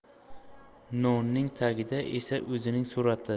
nonning tagida esa o'zining surati